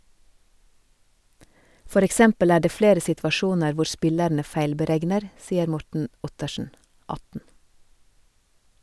For eksempel er det flere situasjoner hvor spillerne feilberegner , sier Morten Ottersen, 18.